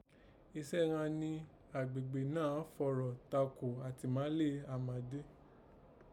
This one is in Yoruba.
Isẹ́ ghan ni àgbègbè náà fọ̀rọ̀ takò àtìmálé Amade